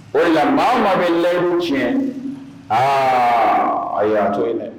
O yan maa maa bɛ layi tiɲɛ aa a y'a to yen dɛ